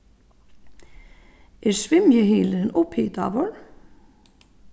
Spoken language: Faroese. er svimjihylurin upphitaður